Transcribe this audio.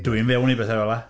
Dwi'm fewn i bethau fel 'na.